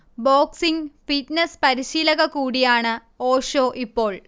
boxing, fitness പരിശീലക കൂടിയാണ് ഓഷോ ഇപ്പോൾ